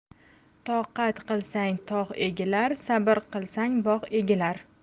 toqat qilsang tog' egilar sabr qilsang bog' egilar